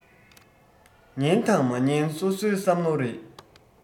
ཉན དང མ ཉན སོ སོའི བསམ བློ རེད